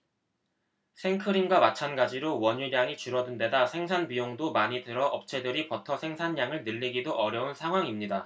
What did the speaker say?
생크림과 마찬가지로 원유량이 줄어든데다 생산 비용도 많이 들어 업체들이 버터 생산량을 늘리기도 어려운 상황입니다